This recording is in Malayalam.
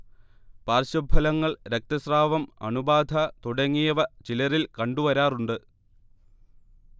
പാർശ്വഫലങ്ങൾ രക്തസ്രാവം, അണുബാധ തുടങ്ങിയവ ചിലരിൽ കണ്ടുവരാറുണ്ട്